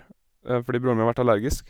Fordi broren min har vært allergisk.